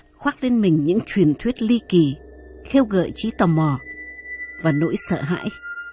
khoác lên mình những truyền thuyết ly kỳ khiêu gợi trí tò mò và nỗi sợ hãi